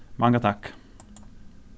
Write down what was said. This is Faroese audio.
manga takk